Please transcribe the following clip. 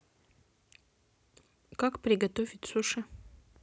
как приготовить суши